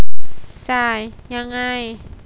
จ่ายยังไง